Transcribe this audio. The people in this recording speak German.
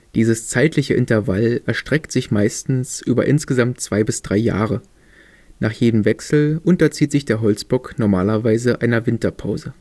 Dieses zeitliche Intervall erstreckt sich meistens über insgesamt 2 – 3 Jahre. Nach jedem Wechsel unterzieht sich der Holzbock normalerweise einer Winterpause